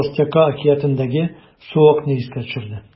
“три толстяка” әкиятендәге суокны искә төшерде.